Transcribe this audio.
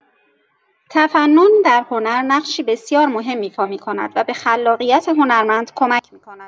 تفنن در هنر نقشی بسیار مهم ایفا می‌کند و به خلاقیت هنرمند کمک می‌کند.